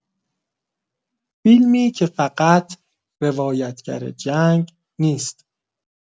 فیلمی که فقط روایتگر جنگ نیست.